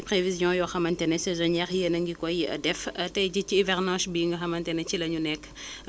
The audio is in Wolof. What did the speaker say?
maa ngi remercié di di di félicité waa ANACIM énu ngi def liggéey bu am solo